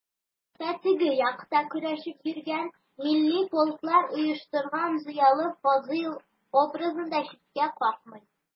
Ул башта «теге як»та көрәшеп йөргән, милли полклар оештырган зыялы Фазыйл образын да читкә какмый.